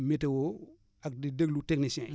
météo ak di déglu techniciens yi